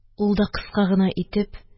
Ул да кыска гына итеп